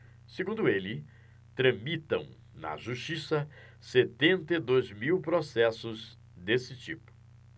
segundo ele tramitam na justiça setenta e dois mil processos desse tipo